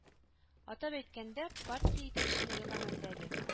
Атап әйткәндә, партия итәкчелеге гамәлдәге